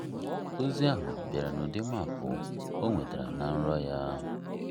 Ozi ahụ bịara n'ụdị maapụ o nwetara site na nrọ ya.